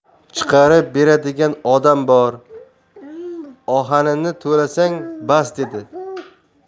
chiqarib beradigan odam bor ohanini to'lasang bas dedi